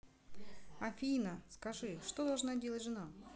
афина скажи что должна делать жена